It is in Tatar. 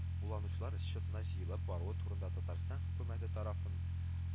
Кулланучылар счетына җыелып баруы турында татарстан хөкүмәте тарафын